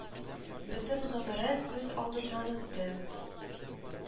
Бөтен гомере күз алдыннан үтте